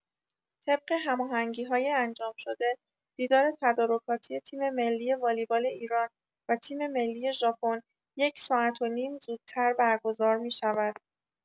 طبق هماهنگی‌های انجام‌شده، دیدار تدارکاتی تیم‌ملی والیبال ایران و تیم‌ملی ژاپن، یک ساعت و نیم زودتر برگزار می‌شود.